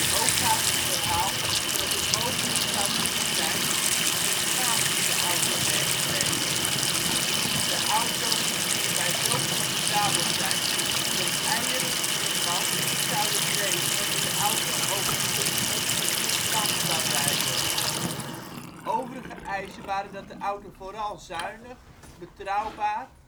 Ook gaat het verhaal dat het mogelijk zou moeten zijn om een schaap in de auto mee te nemen. De auto moest hierbij zo comfortabel zijn dat eieren in een mand niet zouden breken wanneer de auto over een stuk omgeploegd land zou rijden. Overige eisen waren dat de auto vooral zuinig, betrouwbaar